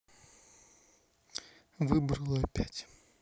выбрала опять